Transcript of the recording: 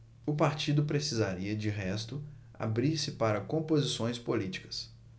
o partido precisaria de resto abrir-se para composições políticas